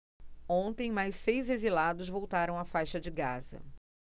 ontem mais seis exilados voltaram à faixa de gaza